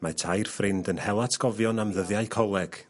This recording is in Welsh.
mae tair ffrind yn hel atgofion am ddyddiau coleg